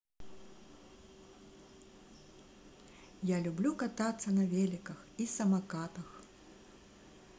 я люблю кататься на великах и самокатах